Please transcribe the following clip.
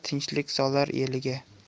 tinchlik solar eliga